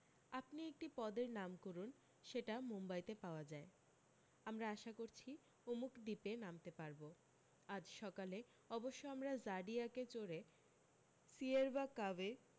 আপনি একটি পদের নাম করুণ সেটা মুম্বাইতে পাওয়া যায় আমরা আশা করছি অমুক দ্বীপে নামতে পারব আজ সকালে অবশ্য আমরা জাডিয়াকে চড়ে সিয়ের্ভা কাভ এ